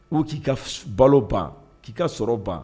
U k'i ka balo ban k'i ka sɔrɔ ban